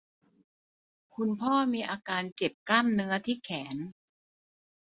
คุณพ่อมีอาการเจ็บกล้ามเนื้อที่แขน